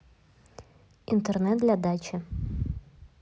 интернет для дачи